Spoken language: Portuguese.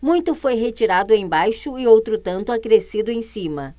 muito foi retirado embaixo e outro tanto acrescido em cima